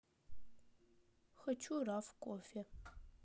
хочу раф кофе